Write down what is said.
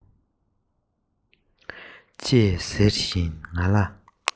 ཅེས ཟེར བཞིན ང ལ